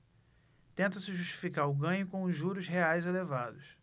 tenta-se justificar o ganho com os juros reais elevados